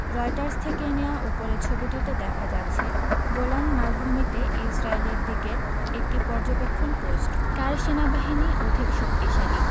Reuters থেকে নেয়া উপরের ছবিটিতে দেখা যাচ্ছে গোলান মালভূমিতে ইসরায়েলের দিকের একটি পর্যবেক্ষণ পোস্ট কার সেনাবাহিনী অধিক শক্তিশালী